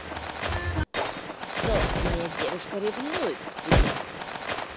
джой моя девушка ревнует к тебе